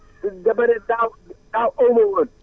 dama ne daaw daaw aw ma woon